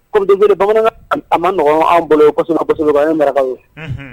Koden bamanan ma anw bolo o ye marakaw ye